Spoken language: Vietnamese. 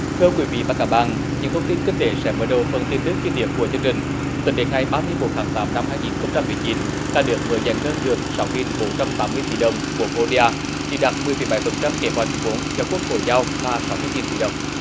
thưa quý vị và các bạn những thông tin kinh tế sẽ mở đầu phần tin tức chi tiết của chương trình tính đến ngày ba mươi mốt tháng tám năm hai nghìn không trăm mười chín cả nước mới giải ngân được sáu nghìn bốn trăm tám mươi tỷ đồng vốn ô đê a chỉ đạt mười phẩy bảy phần trăm kế hoạch vốn do quốc hội giao là sáu mươi nghìn tỷ đồng